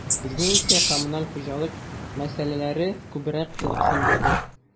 Безне исә коммуналь хуҗалык мәсьәләләре күбрәк кызыксындырды.